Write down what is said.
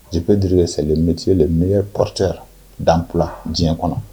Jip duuru seli miti de mi pte danula diɲɛ kɔnɔ